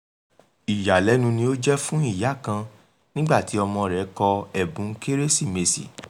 Ìyàlẹ́nu ni ó jẹ́ fún ìyá kan nígbàtí ọmọọ rẹ̀ kọ ẹ̀bùn Kérésìmesì.